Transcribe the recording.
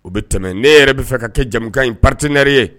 O bɛ tɛmɛ ne yɛrɛ bɛ fɛ ka kɛ nin jamanakan in partenaire ye